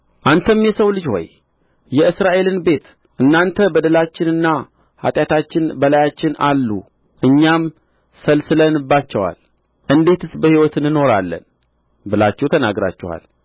አንተም የሰው ልጅ ሆይ የእስራኤልን ቤት እናንተ በደላችንና ኃጢአታችን በላያችን አሉ እኛም ሰልስለንባቸዋል እንዴትስ በሕይወት እንኖራለን ብላችሁ ተናግራችኋል